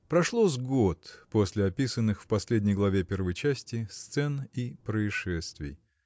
Прошло с год после описанных в последней главе первой части сцен и происшествий.